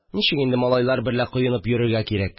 Ничек итеп малайлар берлә коенып йөрергә кирәк